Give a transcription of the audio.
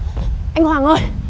anh hoàng ơi